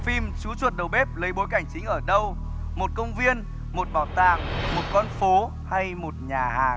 phim chú chuột đầu bếp lấy bối cảnh chính ở đâu một công viên một bảo tàng một con phố hay một nhà hàng